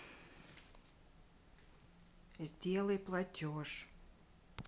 сделай платеж